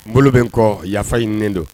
N bolo bɛ n kɔ yafa ɲininen don.